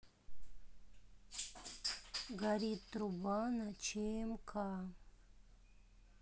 горит труба на чмк